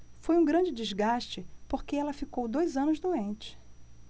foi um grande desgaste porque ela ficou dois anos doente